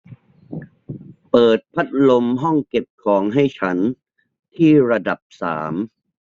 เปิดพัดลมห้องเก็บของให้ฉันที่ระดับสาม